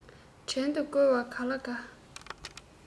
བྲན དུ བཀོལ བར ག ལ དཀའ